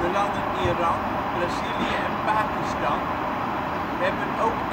landen Iran, Brazilië en Pakistan hebben ook